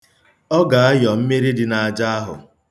Ọ ga-ayọ mmiri dị n'aja ahụ.